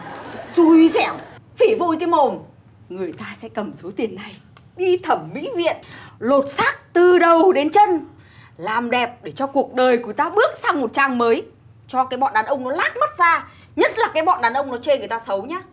xui xẻo phỉ phui cái mồm người ta sẽ cần số tiền này đi thẩm mỹ viện lột xác từ đầu đến chân làm đẹp để cho cuộc đời của ta bước sang một trang mới cho cái bọn đàn ông lác mắt ra nhất là cái bọn đàn ông nó chê người ta xấu nha